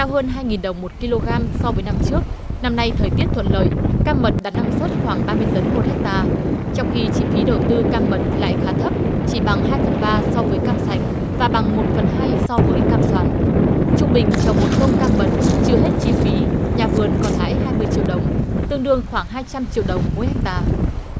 cao hơn hai nghìn đồng một ki lô gam so với năm trước năm nay thời tiết thuận lợi các mật đạt năng suất khoảng ba mươi tấn một héc ta trong khi chi phí đầu tư cam mật lại khá thấp chỉ bằng hai phần ba so với cam sành và bằng một phần hay so với cam xoàn trung bình trồng một ca cam mật trừ hết chi phí nhà vườn còn lãi hai mươi triệu đồng tương đương khoảng hai trăm triệu đồng mỗi héc ta